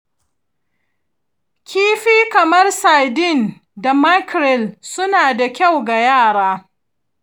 kifi kamar sardine da mackerel suna da kyau wa yara.